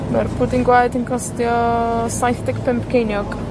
Ma'r pwdin gwaed yn costio saith deg pump ceiniog.